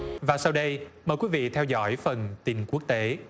và sau đây mời quý vị theo dõi phần tin quốc tế